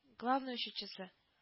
Главный учетчысы